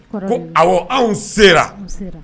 Ko aw anw sera